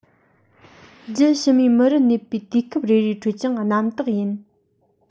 རྒྱུད ཕྱི མའི མུ རུ གནས པའི དུས སྐབས རེ རེའི ཁྲོད ཀྱང རྣམ དག ཡིན